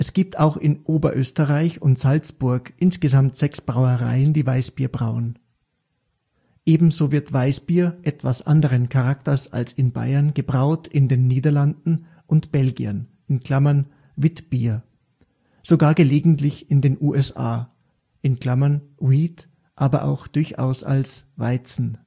gibt auch in Oberösterreich und Salzburg insgesamt sechs Brauereien, die Weißbier brauen. Ebenso wird Weißbier (etwas anderen Charakters als in Bayern) gebraut in den Niederlanden und Belgien (Witbier), sogar gelegentlich in den USA (wheat, aber auch durchaus als Weizen